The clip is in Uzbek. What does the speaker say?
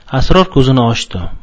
sror ko'zi ni ochdi